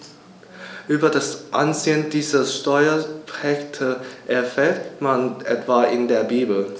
Über das Ansehen dieser Steuerpächter erfährt man etwa in der Bibel.